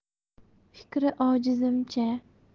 fikri ojizimcha